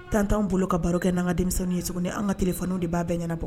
Kan anw bolo ka baro kɛ n an ka denmisɛnnin ye an ka tile fanaw de ba bɛɛ ɲɛnabɔ